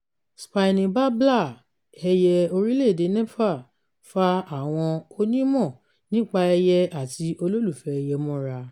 Spiny Babbler, ẹyẹ orílẹ̀-èdè Nepal, fa àwọn onímọ̀-nípa-ẹyẹ àti olólùfẹ́ ẹyẹ mọ́ra